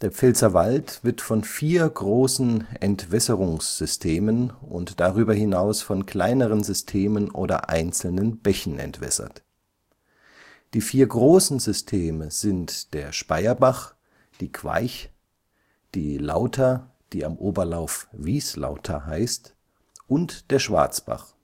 Pfälzerwald wird von vier großen Entwässerungssystemen und darüber hinaus von kleineren Systemen oder einzelnen Bächen entwässert. Die vier großen Systeme sind der Speyerbach, die Queich, die Lauter (am Oberlauf Wieslauter) und der Schwarzbach